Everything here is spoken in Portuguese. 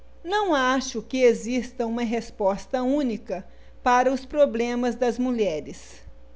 não acho que exista uma resposta única para os problemas das mulheres